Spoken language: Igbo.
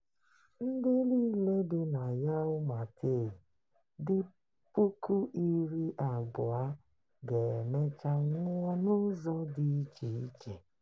Ndị niile bi na Yau Ma Tei dị 20,000 ga-emecha nwụọ n'ụzọ dị iche iche.